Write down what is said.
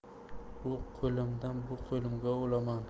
u qo'limdan bu qo'limga olaman